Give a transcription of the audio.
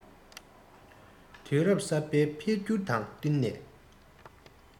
དུས རབ གསར པའི འཕེལ འགྱུར དང བསྟུན ནས